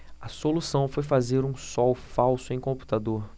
a solução foi fazer um sol falso em computador